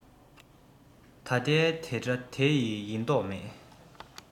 ད ལྟའི དེ འདྲ དེ དུས ཡིན མདོག མེད